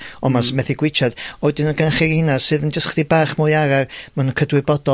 o 'ma sy methu gwitsiad. A wedyn ma' gynnoch rheina sydd yn jyst chydig bach mwy araf ma' nw'n cydwybodol